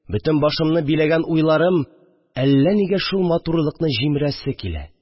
Бөтен башымны биләгән уйларым әллә нигә шул матурлыкны җимерәсе килә